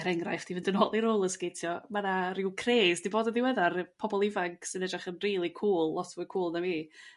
er enghraifft i fynd yn ol i rôlersgetio ma'n 'na ryw cres di bod yn ddiweddar yrr pobol ifanc sy'n edrach yn rili cŵl lot fwy cŵl na fi,